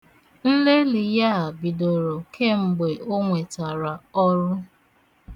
Nlelị ya a bidoro kemgbe o nwetara ọrụ.